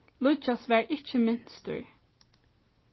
líggjas var ikki minstur